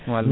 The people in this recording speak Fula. wallay